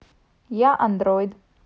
я android